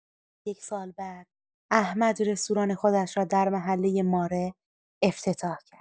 یک سال بعد، احمد رستوران خودش را در محله ماره افتتاح کرد.